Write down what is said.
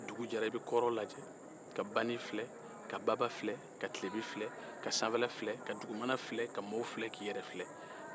n'i wulila sɔgɔmada fɛ i bɛ kɔrɔn filɛ ka tilebin filɛ ka baba filɛ ka banin filɛ ka sanfɛla filɛ ka dugumana filɛ k'i yɛrɛ filɛ ani ka mɔgɔ tɔw filɛ